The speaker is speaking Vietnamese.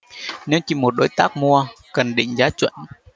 nếu chỉ một đối tác mua cần định giá chuẩn